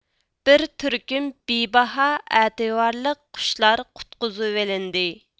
بىر تۈركۈم بىباھا ئەتىۋارلىق قۇشلار قۇتقۇزۇۋېلىندى